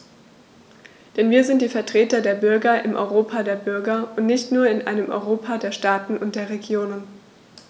Denn wir sind die Vertreter der Bürger im Europa der Bürger und nicht nur in einem Europa der Staaten und der Regionen.